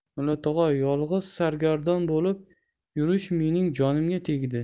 mulla tog'a yolg'iz sargardon bo'lib yurish mening jonimga tegdi